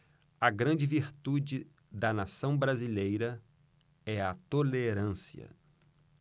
a grande virtude da nação brasileira é a tolerância